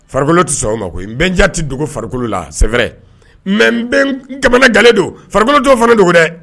Farikolo tɛ sɔn o ma koyi n bɛndiya tɛ dogo farikolo la c'est vrai mais n jamana jalen don, farikolo t'o fana dogo dɛ